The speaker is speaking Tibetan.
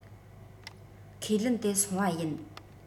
ཁས ལེན དེ སོང བ ཡིན